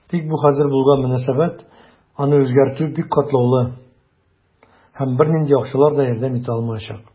Тик бу хәзер булган мөнәсәбәт, аны үзгәртү бик катлаулы, һәм бернинди акчалар да ярдәм итә алмаячак.